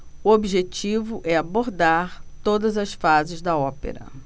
o objetivo é abordar todas as fases da ópera